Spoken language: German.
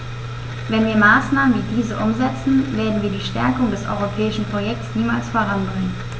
Wenn wir Maßnahmen wie diese umsetzen, werden wir die Stärkung des europäischen Projekts niemals voranbringen.